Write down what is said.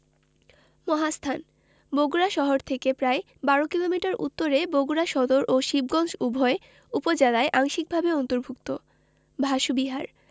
মহাস্থান বগুড়া শহর থেকে প্রায় ১২ কিলোমিটার উত্তরে বগুড়া সদর ও শিবগঞ্জ উভয় উপজেলায় আংশিকভাবে অন্তর্ভুক্ত ভাসু বিহার